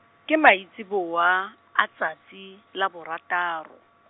ke maitsiboa, a tsatsi, la borataro.